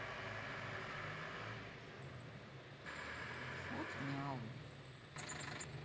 фот мяу